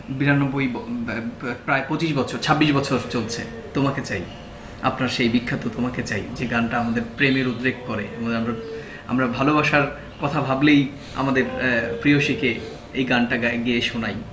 ৯২ প্রায় ২৫ বছর ২৬ বছর চলছে তোমাকে চাই আপনার সেই বিখ্যাত তোমাকে চাই যে গানটা আমাদের প্রেমের উদ্রেক করে আমরা ভালোবাসার কথা ভাবলেই আমাদের প্রেয়শী কে এই গানটা গেয়ে শোনাই